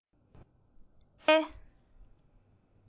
དཔྱིད ཆར གསིམ གསིམ བབས